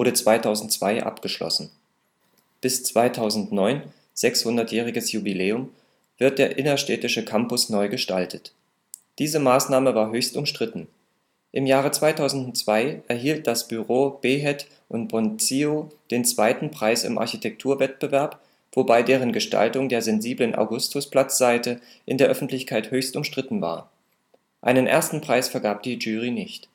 2002 abgeschlossen. Bis 2009 (600-jähriges Jubiläum) wird der innerstädtische Campus neu gestaltet. Diese Maßnahme war höchst umstritten. Im Jahre 2002 erhielt das Büro Behet und Bondzio den zweiten Preis im Architekturwettbewerb, wobei deren Gestaltung der sensiblen Augustusplatzseite in der Öffentlichkeit höchst umstritten war. Einen ersten Preis vergab die Jury nicht